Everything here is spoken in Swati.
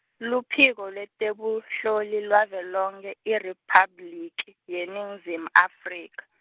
Luphiko lweTebunhloli lwaVelonkhe, IRiphabliki, yeNingizimu Afrika.